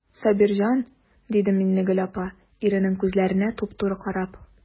Сабирҗан,– диде Миннегөл апа, иренең күзләренә туп-туры карап.